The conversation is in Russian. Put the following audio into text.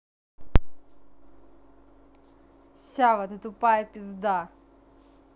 сява ты тупая пизда